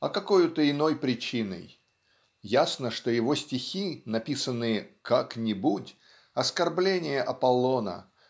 а какою-то иной причиной. Ясно что его стихи написанные "как-нибудь" оскорбление Аполлона